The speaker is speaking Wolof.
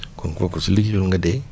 kon kooku su liggéeyul nga dee